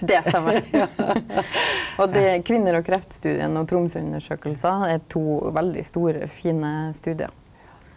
det stemmer og det Kvinner og kreft-studien og Tromøsundersøkelsen er to veldig store, fine studiar.